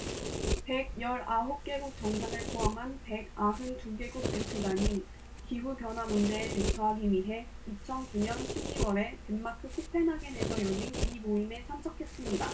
백 열 아홉 개국 정상을 포함한 백 아흔 두 개국 대표단이 기후 변화 문제에 대처하기 위해 이천 구 년 십 이 월에 덴마크 코펜하겐에서 열린 이 모임에 참석했습니다